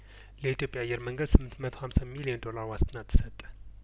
ለኢትዮጵያ አየር መንገድ ስምንት መቶ ሀምሳ ሚሊዮን ዶላር ዋስትና ተሰጠ